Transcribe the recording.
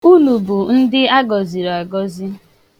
Unu bụ ndị agọziri agọzi